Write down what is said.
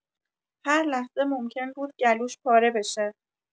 هر لحظه ممکن بود گلوش پاره بشه